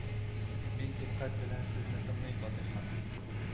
Мин дикъкать белән сезне тыңлыйм батый хан